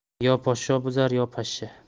yo poshsho buzar yo pashsha